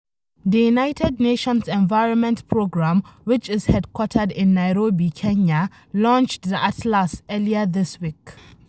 The United Nations Environment Program, which is headquartered in Nairobi, Kenya launched the atlas earlier this week.